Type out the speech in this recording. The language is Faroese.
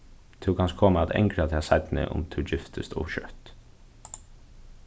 tú kanst koma at angra tað seinni um tú giftist ov skjótt